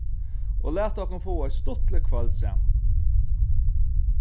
og lat okkum fáa eitt stuttligt kvøld saman